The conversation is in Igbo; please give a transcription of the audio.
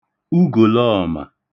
ugòlọọ̀mà